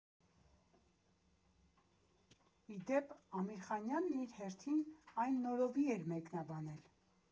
Ի դեպ, Ամիրխանյանն իր հերթին այն նորովի էր մեկնաբանել։